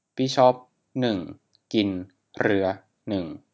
บิชอปหนึ่งกินเรือหนึ่ง